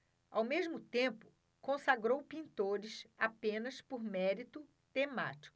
ao mesmo tempo consagrou pintores apenas por mérito temático